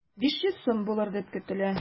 500 сум булыр дип көтелә.